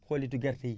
xollitu gerte yi